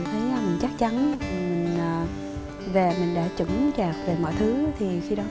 chắc chắn về mình đã chững chạc về mọi thứ thì khi đó